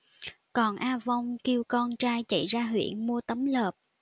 còn a vông kêu con trai chạy ra huyện mua tấm lợp